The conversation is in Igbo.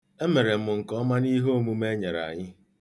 Emere m nke ọma n'ihe omume e nyere anyị.